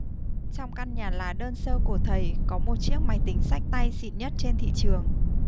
trong căn nhà lá đơn sơ của thầy có một chiếc máy tính xách tay xịn nhất trên thị trường